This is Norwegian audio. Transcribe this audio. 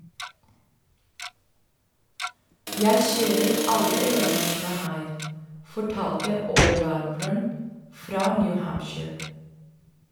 - Jeg kjører alle øvelsene her, fortalte allrounderen fra New Hampshire.